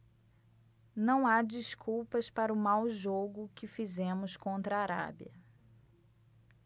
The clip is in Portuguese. não há desculpas para o mau jogo que fizemos contra a arábia